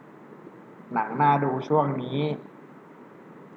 หนังน่าดูช่วงนี้